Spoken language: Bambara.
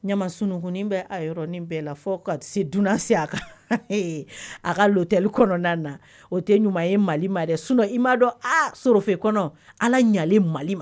Ɲama sun bɛ yɔrɔ bɛɛ la fɔ ka se dunan se a ka a ka latɛli kɔnɔna na o tɛ ɲuman ye mali ma sundo i m'a dɔn sɔrɔ fɛ i kɔnɔ ala ɲalen mali ma